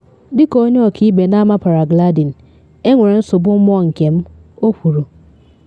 “Dị ka onye ọkaibe n’ama paraglaidin, enwere nsogbu mmụọ nke m, o kwuru.